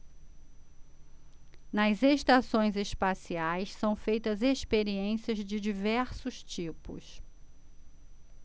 nas estações espaciais são feitas experiências de diversos tipos